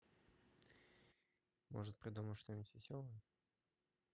может придумаем что нибудь веселое